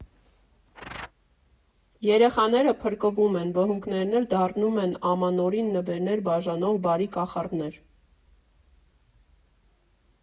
Երեխաները փրկվում են, վհուկներն էլ դառնում են Ամանորին նվերներ բաժանող բարի կախարդներ։